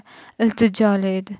iltijoli edi